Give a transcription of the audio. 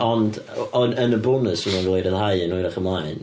Ond yn y bonws fydd o yn cael ei ryddhau yn hwyrach ymlaen.